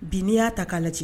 Bi ni ya ta ka kajɛ